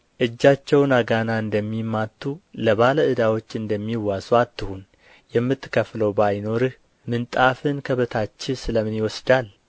እጃቸውን አጋና እንደሚማቱ ለባለ ዕዳዎች እንደሚዋሱ አትሁን የምትከፍለው ባይኖርህ ምንጣፍህን ከበታችህ ስለ ምን ይወስዳል